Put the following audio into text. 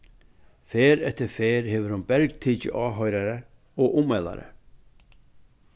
ferð eftir ferð hevur hon bergtikið áhoyrarar og ummælarar